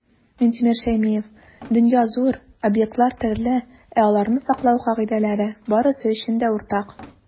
Минтимер Шәймиев: "Дөнья - зур, объектлар - төрле, ә аларны саклау кагыйдәләре - барысы өчен дә уртак".